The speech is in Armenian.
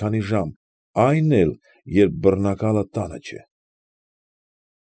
Քանի ժամ, այն էլ, երբ բռնակալը տանը չէ։